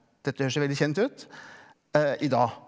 dette høres jo veldig kjent ut i dag.